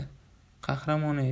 qahramon ey